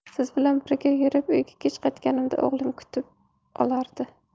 siz bilan birga yurib uyga kech qaytganimda o'g'lim kutib olardi